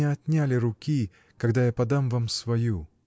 не отняли руки, когда я подам вам свою.